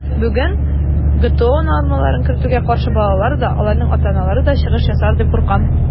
Бүген ГТО нормаларын кертүгә каршы балалар да, аларның ата-аналары да чыгыш ясар дип куркам.